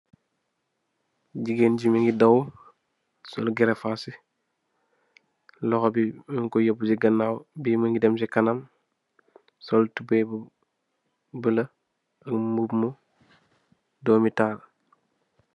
Jigeen GI mongi daw sol gervass loxo bi mung ko yobu si ganaw bi mongi dem si kanam sol tubai bu bulu ak mbubu mu domitaal.